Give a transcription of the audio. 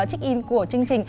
chếch in của chương trình